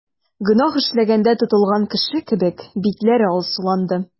Гөнаһ эшләгәндә тотылган кеше кебек, битләре алсуланды.